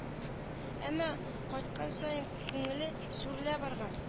Әмма кайткан саен күңеле сүрелә барган